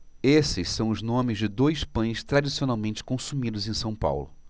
esses são os nomes de dois pães tradicionalmente consumidos em são paulo